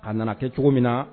A nana kɛ cogo minnaa